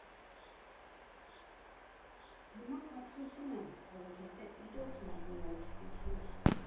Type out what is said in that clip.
Հիմա ափսոսում եմ, որովհետև իրոք լավ երաժշտություն էր։